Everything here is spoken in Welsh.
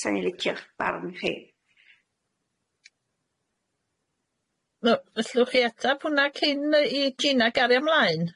Sa i'n licio'ch barn chi. Wel fellwch chi atab hwnna cyn yy i Gina gario mlaen?